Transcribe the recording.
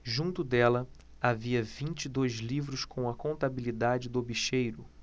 junto dela havia vinte e dois livros com a contabilidade do bicheiro